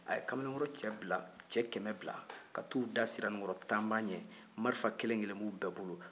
a ye kamalenkɔrɔ cɛ kɛmɛ bila ka t'u da siranikɔrɔ tanba ɲɛ marifa kelen-kelen b'u bɛɛ bolo